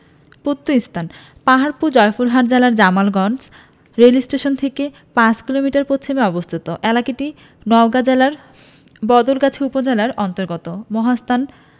প্রত্নস্থানঃ পাহাড়পুর জয়পুরহাট জেলার জামালগঞ্জ রেলস্টেশন থেকে ৫ কিলোমিটার পশ্চিমে অবস্থিত এলাকাটি নওগাঁ জেলার বদলগাছি উপজেলার অন্তর্গত মহাস্থান